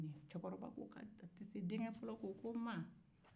cɛkɔrɔba ko ko a tɛ se denkɛ fɔlɔ ko ma